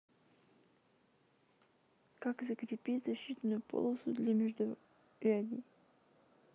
как закрепить защитную полосу для междурядий